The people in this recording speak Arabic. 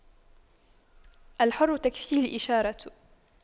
الحر تكفيه الإشارة